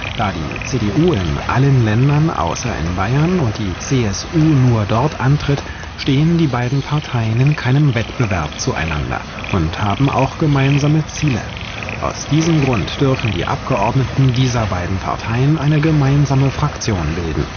Da die CDU in allen Ländern außer in Bayern und die CSU nur dort antritt, stehen die beiden Parteien in keinem Wettbewerb zueinander und haben auch gemeinsame Ziele – aus diesem Grund dürfen die Abgeordneten dieser beiden Parteien eine gemeinsame Fraktion bilden